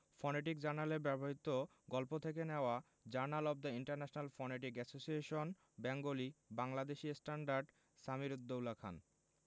phonetic জার্নালে ব্যবহিত গল্প থেকে নেওয়া journal of the international phonetic association Bengali Bangladeshi standard Samir ud Daula Khan